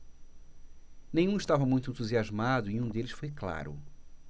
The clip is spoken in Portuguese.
nenhum estava muito entusiasmado e um deles foi claro